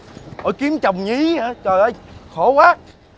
ủa kiếm chồng nhí hả chời ơi khổ quá